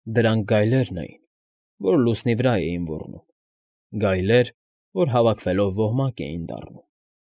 Դրանք գայլերն էին, որ լուսնի վրա էին ոռնում, գայլեր, որ հավաքվելով ոհմակ էին դառնում։